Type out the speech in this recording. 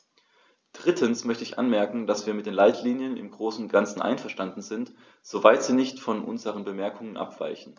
Drittens möchte ich anmerken, dass wir mit den Leitlinien im großen und ganzen einverstanden sind, soweit sie nicht von unseren Bemerkungen abweichen.